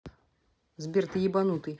сбер ты ебанутый